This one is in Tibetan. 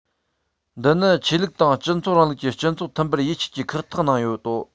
འདིས ནི ཆོས ལུགས དང སྤྱི ཚོགས རིང ལུགས སྤྱི ཚོགས མཐུན པར ཡིད ཆེས ཀྱི ཁག ཐེག གནང ཡོད དོ